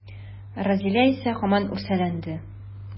Рәзилә исә һаман үрсәләнде.